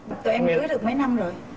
tụi em cưới được mấy năm rồi